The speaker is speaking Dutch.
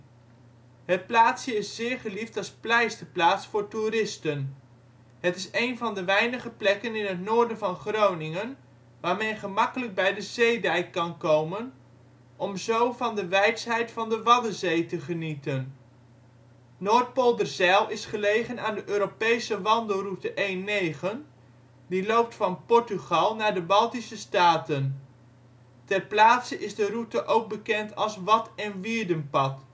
plaatsje is zeer geliefd als pleisterplaats voor toeristen. Het is een van de weinige plekken in het noorden van Groningen waar men gemakkelijk bij de zeedijk kan komen, om zo van de weidsheid van de Waddenzee te genieten. Noordpolderzijl is gelegen aan de Europese wandelroute E9 die loopt van Portugal naar de Baltische staten. Ter plaatse is de route ook bekend als Wad - en Wierdenpad